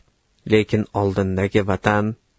lekin oldindagi vatan